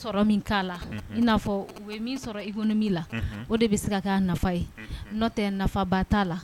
'a ia fɔ u bɛ min i la o de bɛ se nafa ye n'o tɛ nafa ba t'a la